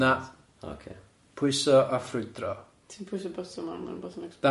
Na. Ocê. Pwyso a ffrwydro. Ti'n pwyso botwm a ma' rwbath yn ecsplowdio?